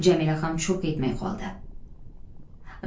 jamila ham churq etmay qoldi